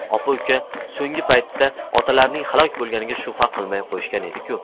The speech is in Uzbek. opa uka so'ngga paytda otalarining halok bo'lganiga shubha qilmay qo'yishgan edi ku